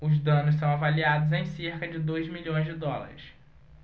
os danos são avaliados em cerca de dois milhões de dólares